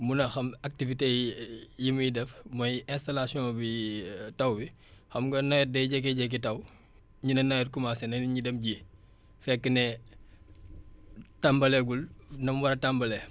mun a xam activités yi muy def mooy installation bi taw bi xam nga nawet day jékki-jékki taw ñu ne nawet commencé na ñu dem ji fekk ne tàmbaleegul na mu war a tàmbalee